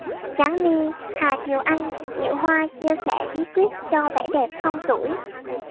giáng my hà kiều anh diệu hoa chia sẻ bí quyết cho vẻ đẹp không tuổi